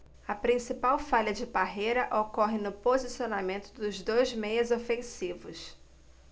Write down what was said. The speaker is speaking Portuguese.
a principal falha de parreira ocorre no posicionamento dos dois meias ofensivos